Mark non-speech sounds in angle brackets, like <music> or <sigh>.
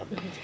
<hesitation> <hesitation>